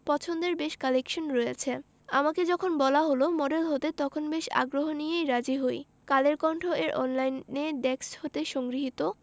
পছন্দের বেশ কালেকশন রয়েছে আমাকে যখন বলা হলো মডেল হতে তখন বেশ আগ্রহ নিয়েই রাজি হই কালের কণ্ঠ এর অনলাইনে ডেস্ক হতে সংগৃহীত